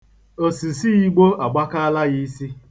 Osise igbo agbakaala ya isi.